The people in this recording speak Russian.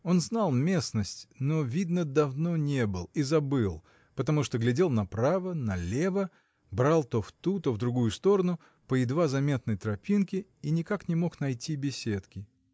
Он знал местность, но, видно, давно не был и забыл, потому что глядел направо, налево, брал то в ту, то в другую сторону, по едва заметной тропинке, и никак не мог найти беседки.